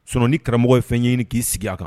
Sonɔni karamɔgɔ ye fɛnɲini k'i sigi a kan